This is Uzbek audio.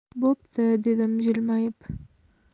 bo'pti dedim jilmayib